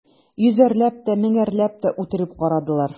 Йөзәрләп тә, меңәрләп тә үтереп карадылар.